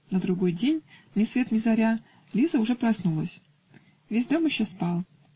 На другой день, ни свет ни заря, Лиза уже проснулась. Весь дом еще спал.